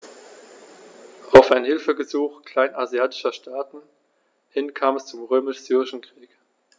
Auf ein Hilfegesuch kleinasiatischer Staaten hin kam es zum Römisch-Syrischen Krieg.